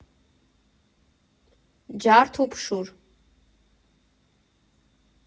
Ջարդ ու փշուր.